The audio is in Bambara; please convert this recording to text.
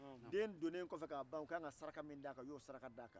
den donnen kɔfɛ k'a ban u ka kan ka saraka min da a kan u y'o da a kan